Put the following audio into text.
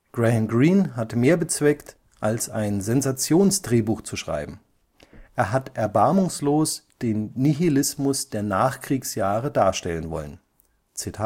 Greene hat mehr bezweckt, als ein Sensationsdrehbuch zu schreiben. Er hat erbarmungslos den Nihilismus der Nachkriegsjahre darstellen wollen. “Die